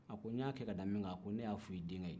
a ko n y'a kɛ k'a da min kan ne y'a f'i denkɛ ye